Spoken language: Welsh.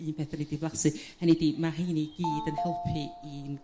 un peth 'dan ni 'di flasu hynny 'di ma' rheini i gyd yn helpu i'n